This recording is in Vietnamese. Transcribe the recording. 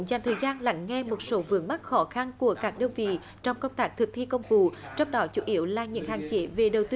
trong thời gian lắng nghe một số vướng mắc khó khăn của các đơn vị trong công tác thực thi công vụ chấp đảo chủ yếu là những hạn chế về đầu tư